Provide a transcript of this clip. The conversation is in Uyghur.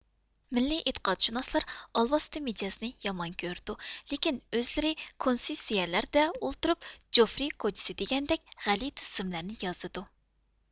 مىللىي ئىتىقادشۇناسلار ئالۋاستى مىجەزنى يامان كۆرىدۇ لېكىن ئۆزلىرى كونسېسسىيىلەردە ئولتۇرۇپ جوفرى كوچىسى دېگەندەك غەلىتە ئىسىملارنى يازىدۇ